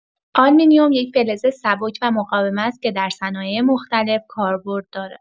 آلومینیوم یک فلز سبک و مقاوم است که در صنایع مختلف کاربرد دارد.